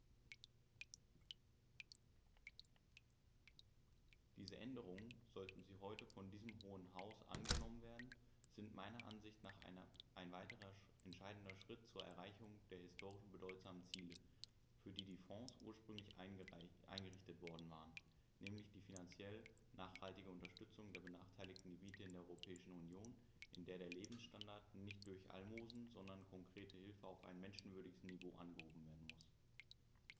Diese Änderungen, sollten sie heute von diesem Hohen Haus angenommen werden, sind meiner Ansicht nach ein weiterer entscheidender Schritt zur Erreichung der historisch bedeutsamen Ziele, für die die Fonds ursprünglich eingerichtet worden waren, nämlich die finanziell nachhaltige Unterstützung der benachteiligten Gebiete in der Europäischen Union, in der der Lebensstandard nicht durch Almosen, sondern konkrete Hilfe auf ein menschenwürdiges Niveau angehoben werden muss.